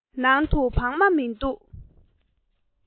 ནང དུ བག མ མི འདུག